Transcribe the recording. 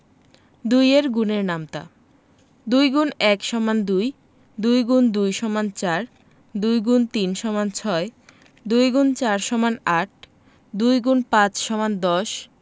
২ এর গুণের নামতা ২ X ১ = ২ ২ X ২ = ৪ ২ X ৩ = ৬ ২ X ৪ = ৮ ২ X ৫ = ১০